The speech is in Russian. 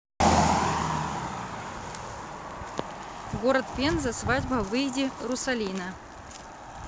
город пенза свадьба выйди русалина